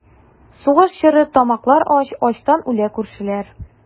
Сугыш чоры, тамаклар ач, Ачтан үлә күршеләр.